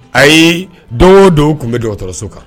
Ayi don o don, o kun bɛ dɔgɔtɔrɔso kan.